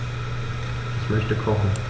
Ich möchte kochen.